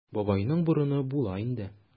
Бабайның борыны була инде.